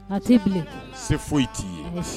Se se foyi ye t'i ye